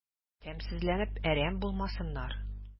Тәмсезләнеп әрәм булмасыннар...